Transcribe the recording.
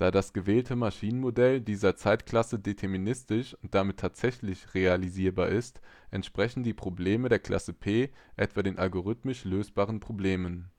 das gewählte Maschinenmodell dieser Zeitklasse deterministisch und damit tatsächlich realisierbar ist, entsprechen die Probleme der Klasse P etwa den algorithmisch lösbaren Problemen